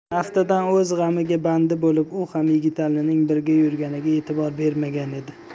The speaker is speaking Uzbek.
aftidan o'z g'amiga bandi bo'lib u ham yigitalining birga yurganiga e'tibor bermagan edi